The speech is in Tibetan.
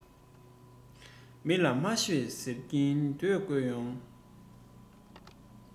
མི ལ མ ཤོད ཟེར གྱིན སྡོད དགོས ཡོང